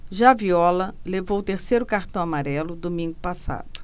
já viola levou o terceiro cartão amarelo domingo passado